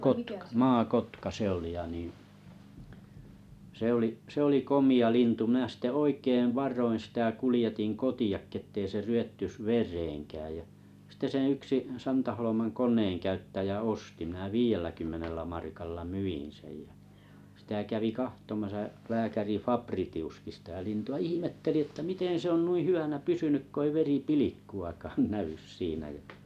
kotka maakotka se oli ja niin se oli se oli komea lintu minä sitten oikein varoen sitä kuljetin kotiinkin että ei se ryvettyisi vereenkään ja sitten sen yksi Santaholman koneenkäyttäjä osti minä viidelläkymmenellä markalla myin sen ja sitä kävi katsomassa lääkäri Fabritiuskin sitä lintua ihmetteli että miten se on hyvänä pysynyt kun ei veripilkkuakaan näy siinä ja